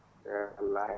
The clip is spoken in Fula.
eeyi wallahi